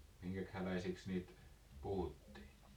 minkähänlaisiksi niitä puhuttiin